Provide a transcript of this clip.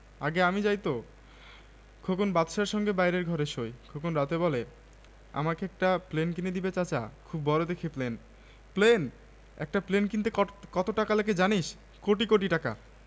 ০২ খেলাধুলা ফুটবলের মেয়েরা বদলে দিল জনপদ পিচ ওঠা ধুলো ওড়া এবড়োখেবড়ো দীর্ঘ পথ পেরিয়ে কলসিন্দুর স্কুলমাঠে পৌঁছেই মনটা ভালো হয়ে গেল